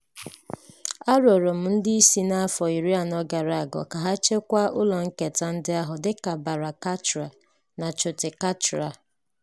Arịọla m ndị isi n'afọ iri anọ gara aga ka ha chekwaa ụlọ nketa ndị ahụ dịka Bara Katra na Choto Katra.